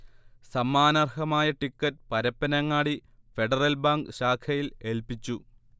സമ്മാനർഹമായ ticket Parappanangadi Federal Bank ശാഖയിൽ ഏൽപിച്ചു